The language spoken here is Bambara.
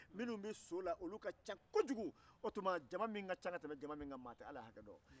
sotigiw ka ca kojugu mɔgɔ t'a dɔn jama min ka ca min ye